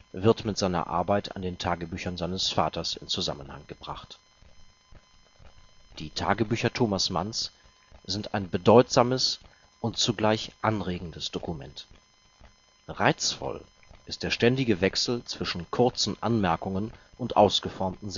wird mit seiner Arbeit an den Tagebüchern seines Vaters in Zusammenhang gebracht. Die Tagebücher Thomas Manns sind ein bedeutsames und zugleich anregendes Dokument. Reizvoll ist der ständige Wechsel zwischen kurzen Anmerkungen und ausgeformten